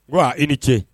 Ni ko aa i ni ce!